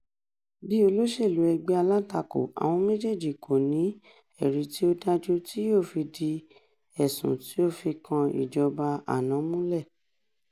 Bí olóṣèlú ẹgbẹ́ alátakò, àwọn méjèèjì kò ní ẹ̀rí tí ó dájú tí yóò fi ìdí ẹ̀sùn tí ó fi kan ìjọba àná múlẹ̀.